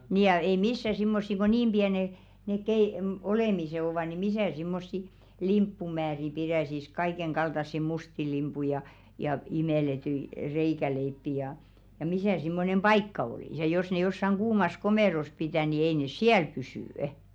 niin ja ei missä semmoisia kun niin pienet ne -- olemiset ovat niin missä semmoisia limppumääriä pitäisi kaiken kaltaisia mustia limppuja ja ja imellettyjä reikäleipiä ja ja missä semmoinen paikka olisi ja jos ne jossakin kuumassa komerossa pitää niin ei ne siellä pysy